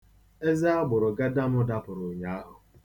Eze agbụrụgada m dapụrụ ụnyaahụ.